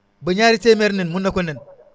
ba ñaari téeméeri nen mën na ko nen